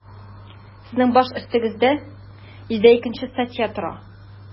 Сезнең баш өстегездә 102 нче статья тора.